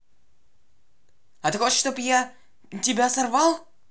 а ты хочешь чтоб я тебя сорвал